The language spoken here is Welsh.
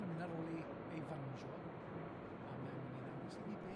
...yn myn' ar ôl 'i ei fanjo, a mae e'n myn' i ddangos i ni be'